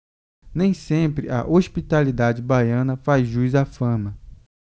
nem sempre a hospitalidade baiana faz jus à fama